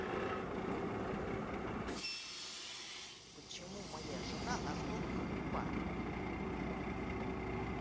почему моя жена настолько тупа